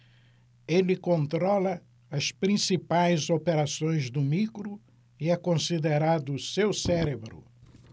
ele controla as principais operações do micro e é considerado seu cérebro